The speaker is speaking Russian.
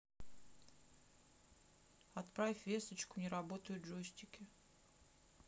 отправь весточку не работают джойстики